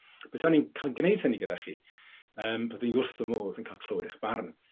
petawn i'n ca'l gneud hynny gyda chi yym byddwn i wrth fy modd yn ca'l clywed 'ych barn.